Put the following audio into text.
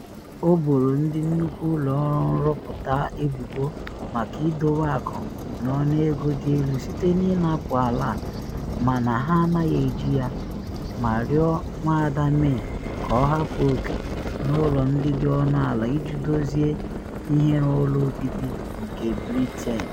O boro ndị nnukwu ụlọ ọrụ nrụpụta ebubo maka idowe akụ n’ọnụego dị elu site na ịnapụ ala mana ha anaghị eji ya, ma rịọ Nwada May ka ọ hapụ oke n’ụlọ ndị dị ọnụ ala iji dozie “ihere ụlọ obibi” nke Britain.